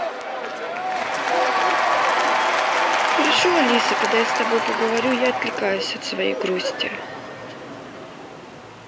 хорошо алиса когда я с тобой поговорю я отвлекаюсь от своей грусти